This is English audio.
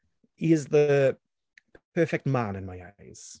He's the perfect man, in my eyes.